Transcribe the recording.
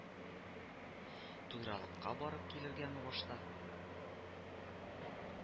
Туйралыкка барып килергәме башта